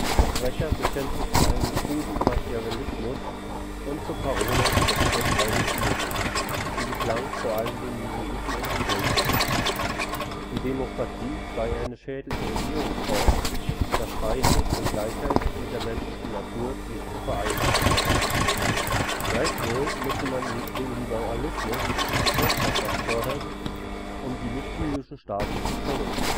Der Sprecher bekennt sich zu einem kruden Machiavellismus und zur Parole „ Der Zweck heiligt die Mittel “, die bislang vor allem den Jesuiten unterstellt wurden. Die Demokratie sei eine schädliche Regierungsform, da Freiheit und Gleichheit mit der menschlichen Natur nicht zu vereinbaren seien. Gleichwohl müsse man den Liberalismus und die Volksherrschaft fördern, um die nichtjüdischen Staaten zu zerrütten